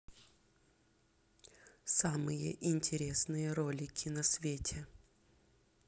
самые интересные ролики на свете